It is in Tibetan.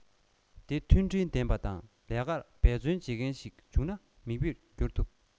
དེ མཐུན སྒྲིལ ལྡན པ དང ལས ཀར འབད རྩོ བྱེད མཁན ཞིག ཡིན ན མིག དཔེར གྱུར ཐུབ